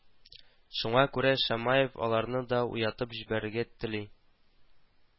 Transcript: Шуңа күрә Шамаев аларны да уятып җибәрергә тели